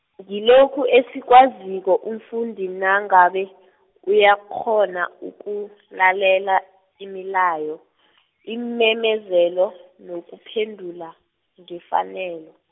ngilokhu esikwaziko umfundi nangabe, uyakghona ukulalela imilayo , iimemezelo nokuphendula, ngefanelo.